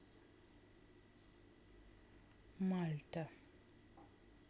мальта